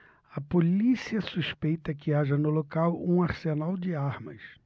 a polícia suspeita que haja no local um arsenal de armas